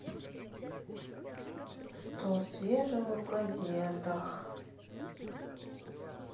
что свежего в газетах